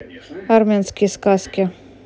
армянские сказки